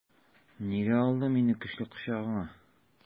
Нигә алдың мине көчле кочагыңа?